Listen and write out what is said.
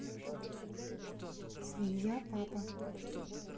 свинья папа